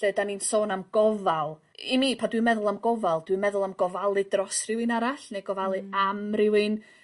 lle 'dan ni'n sôn am gofal i mi pan dwi'n meddwl am gofal dwi'n meddwl am gofalu dros rhywun arall ne' gofalu am rywun.